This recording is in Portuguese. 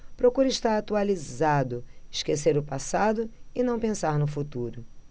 procuro estar atualizado esquecer o passado e não pensar no futuro